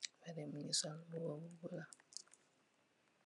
beh pareh mungy sol mbuba bu bulah.